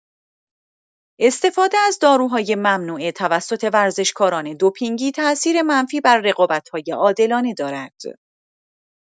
استفاده از داروهای ممنوعه توسط ورزشکاران دوپینگی تاثیر منفی بر رقابت‌های عادلانه دارد.